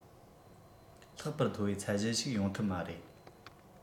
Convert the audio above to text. ལྷག པར མཐོ བའི ཚད གཞི ཞིག ཡོང ཐུབ མ རེད